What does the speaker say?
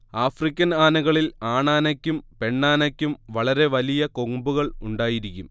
African ആനകളിൽ ആണാനയ്ക്കും പെണ്ണാനയ്ക്കും വളരെ വലിയ കൊമ്പുകൾ ഉണ്ടായിരിക്കും